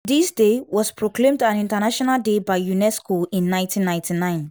This day was proclaimed an International Day by UNESCO in 1999.